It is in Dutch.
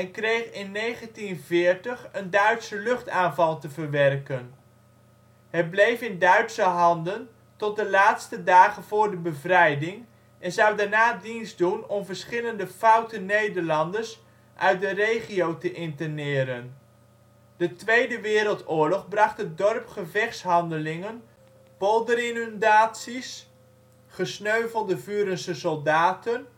kreeg in 1940 een Duitse luchtaanval te verwerken. Het bleef in Duitse handen tot de laatste dagen voor de bevrijding en zou daarna dienst doen om verschillende ‘foute’ Nederlanders uit de regio te interneren. De Tweede Wereldoorlog bracht het dorp gevechtshandelingen, polderinundaties, gesneuvelde Vurense soldaten